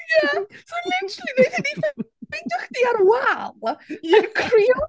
Ie, so, literally, wnaethon ni ffe- ffeindio chdi ar wal... ie ...yn crio!